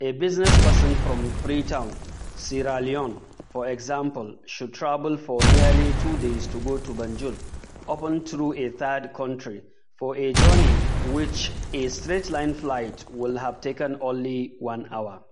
“a business person from Freetown [Sierra Leone], for example, should travel for nearly two days to go to Banjul (often through a third country) for a journey which a straight-line flight would have taken only one hour.”